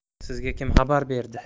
sizga kim xabar berdi